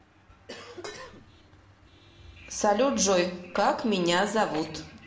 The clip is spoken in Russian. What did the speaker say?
салют джой как меня зовут